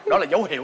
đó là dấu hiệu